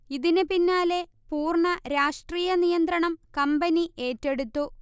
ഇതിന് പിന്നാലെ പൂർണ്ണ രാഷ്ട്രീയ നിയന്ത്രണം കമ്പനി ഏറ്റെടുത്തു